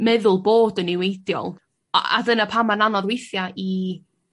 meddwl bod yn niweidiol a a dyna pam ma'n anodd weithia' i